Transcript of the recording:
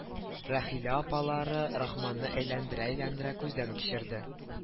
Рәхилә апалары рахманны әйләндерә-әйләндерә күздән кичерде